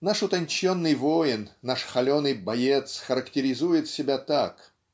Наш утонченный воин, наш холеный боец характеризует себя так